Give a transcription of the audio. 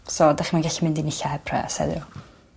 So 'dych chi'm yn gallu unlle heb pres heddiw.